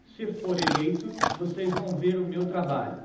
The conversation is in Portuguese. se for eleito vocês vão ver o meu trabalho